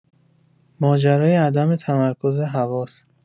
ماجرای عدم تمرکز حواس